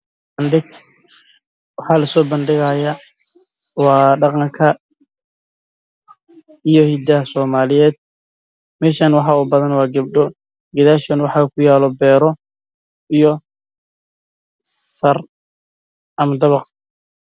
Waa meel banaan waxaa iskugu imaaday gabdho